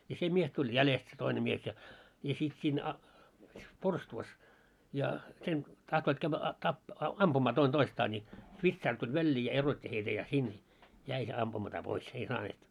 ja se mies tuli jäljestä se toinen mies ja ja sitten siinä - porstuassa ja sen tahtoivat käydä -- ampumaan toinen toistaan niin vitsaari tuli väliin ja erotti heitä ja sinne jäi se ampumatta pois ei saaneet